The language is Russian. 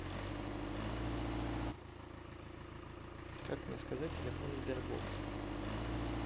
как мне сказать телефон sberbox